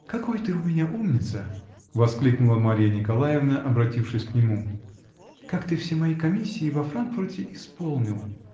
-- Какой ты у меня умница!-- воскликнула Марья Николаевна, обратившись к нему, -- как ты все мои комиссии во Франкфурте исполнил!